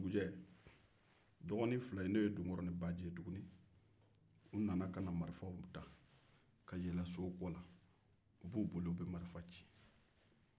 dɔgɔnin fila in n'o ye donkɔrɔ ni baji ye u nana marifaw ta ka yɛlɛn sokɛw kan u b'u boli u bɛ marifa ci